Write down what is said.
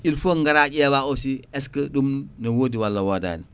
il faut gara ƴewa aussi est ce que ɗum ne wodi walla wodani